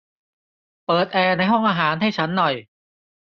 เปิดแอร์ในห้องอาหารให้ฉันหน่อย